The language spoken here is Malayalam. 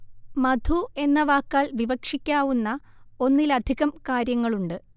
മധു എന്ന വാക്കാൽ വിവക്ഷിക്കാവുന്ന ഒന്നിലധികം കാര്യങ്ങളുണ്ട്